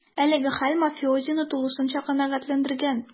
Әлеге хәл мафиозины тулысынча канәгатьләндергән: